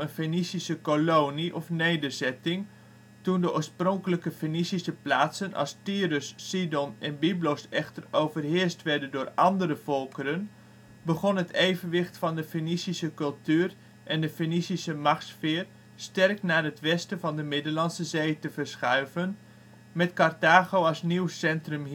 Fenicische kolonie of nederzetting, toen de oorspronkelijke Fenicische plaatsen als Tyrus, Sidon en Byblos echter overheerst werden door andere volkeren, begon het evenwicht van de Fenicische cultuur en de Fenicische machtssfeer sterk naar het westen van de Middellandse Zee te verschuiven, met Carthago als nieuw centrum